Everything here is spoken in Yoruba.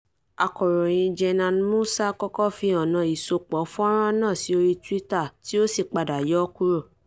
Akọ̀ròyìn Jenan Moussa kọ́kọ́ fi ọ̀nà ìsopọ̀ fọ́nràn náà sí orí Twitter tí ó sì padà yọ ọ́ kúrò.